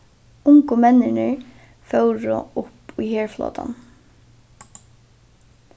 ungu menninir fóru upp í herflotan